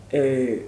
Ee